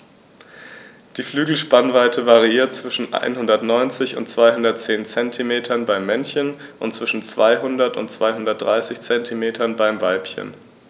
Die Flügelspannweite variiert zwischen 190 und 210 cm beim Männchen und zwischen 200 und 230 cm beim Weibchen.